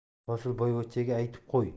hosilboyvachchaga aytib qo'y